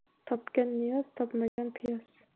topgan niyoz topmagan piyoz